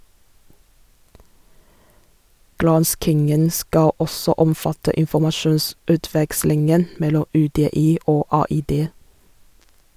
Granskingen skal også omfatte informasjonsutvekslingen mellom UDI og AID.